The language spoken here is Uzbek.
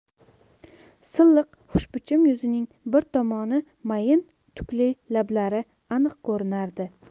silliq xushbichim yuzining bir tomoni mayin tukli lablari aniq ko'rinardi